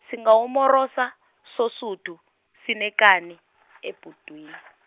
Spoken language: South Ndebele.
singawumorosa, soSudu, sinekani, ebhudwini.